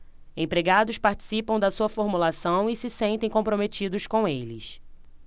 empregados participam da sua formulação e se sentem comprometidos com eles